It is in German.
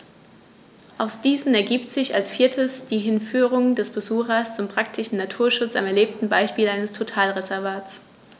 Aus diesen ergibt sich als viertes die Hinführung des Besuchers zum praktischen Naturschutz am erlebten Beispiel eines Totalreservats.